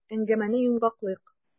Әңгәмәне йомгаклыйк.